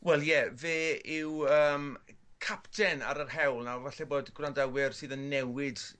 Wel ie fe yw yym capten ar yr hewl nawr falle bod grandawyr sydd yn newid